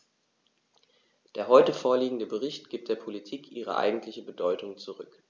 Der heute vorliegende Bericht gibt der Politik ihre eigentliche Bedeutung zurück.